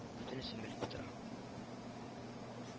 Бөтенесен белеп тора